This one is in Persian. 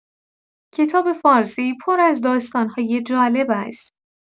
کتاب فارسی پر از داستان‌های جالب است.